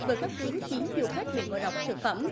vừa cấp cứu chín du khách bị ngộ độc thực phẩm